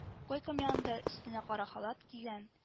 Койкам янында өстенә кара халат кигән